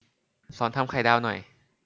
สอนทำไข่ดาวหน่อย